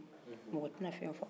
aw de bɛ fɛn fɔ mɔgɔ y'a la